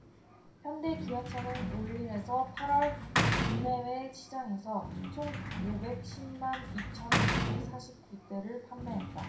현대 기아차는 올 일 에서 팔 월 국내외 시장에서 총 오백 십 만 이 천 육백 사십 구 대를 판매했다